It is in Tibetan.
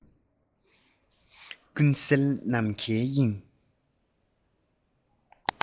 ཀུན གསལ ནམ མཁའི དབྱིངས